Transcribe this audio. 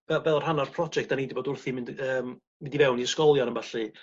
fel fel rhan o'r project 'dan ni 'di bod wrthi mynd y- yym mynd i fewn i ysgolion a ballu